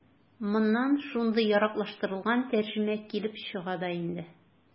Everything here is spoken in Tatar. Моннан шундый яраклаштырылган тәрҗемә килеп чыга да инде.